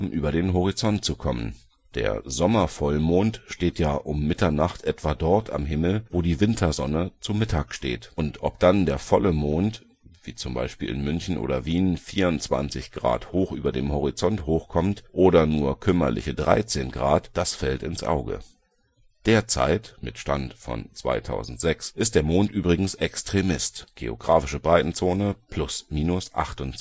über den Horizont zu kommen. Der Sommer-Vollmond steht ja um Mitternacht etwa dort am Himmel, wo die Wintersonne zu Mittag steht. Und ob dann der volle Mond – wie z. B. in München oder Wien – 24° hoch über den Horizont hochkommt, oder nur kümmerliche 13°, das fällt ins Auge. Derzeit (2006) ist der Mond übrigens „ Extremist “(geografische Breitenzone +/- 28,5°